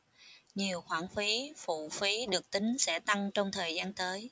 nhiều khoản phí phụ phí được tính sẽ tăng trong thời gian tới